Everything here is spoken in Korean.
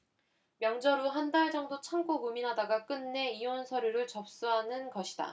명절 후 한달 정도 참고 고민하다가 끝내 이혼 서류를 접수하는 것이다